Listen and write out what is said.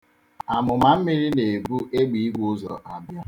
Amụmammiri na-ebu egbeigwe ụzọ abịa.